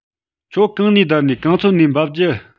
ཁྱོད གང ནས བསྡད ནིས གང ཚོད ནས འབབ རྒྱུ